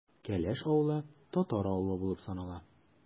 Келәш авылы – татар авылы булып санала.